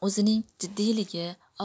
o'zining jiddiyligi